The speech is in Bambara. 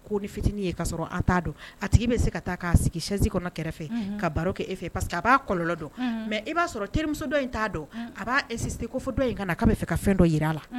Ko ni fitinin aa dɔn a tigi bɛ se ka taa sigisin kɔnɔ kɛrɛfɛ ka baro kɛ e fɛ parce b'a kɔlɔnlɔ dɔn mɛ i b'a sɔrɔ terimuso dɔ in t'a dɔn a b'a dɔ in kan'a bɛ fɛ ka fɛn dɔ jira a la